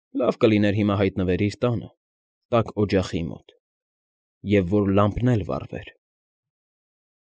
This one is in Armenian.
Լավ կլիներ հիմա հայտնվեր իր տանը, տաք օջախի մոտ, և որ լամպն էլ վառվեր»։